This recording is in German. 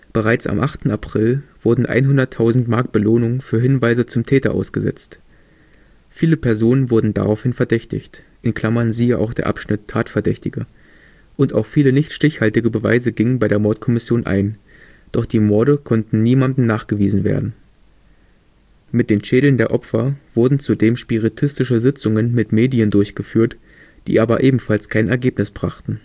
Bereits am 8. April wurden 100.000 Mark Belohnung für Hinweise zum Täter ausgesetzt. Viele Personen wurden daraufhin verdächtigt (siehe: Tatverdächtige) und auch viele nicht stichhaltige Hinweise gingen bei der Mordkommission ein, doch die Morde konnten niemandem nachgewiesen werden. Mit den Schädeln der Opfer wurden zudem spiritistische Sitzungen mit Medien durchgeführt, die aber ebenfalls kein Ergebnis brachten